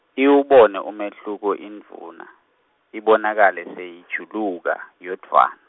iwubone umehluko indvuna, ibonakale seyijuluka, yodvwan-.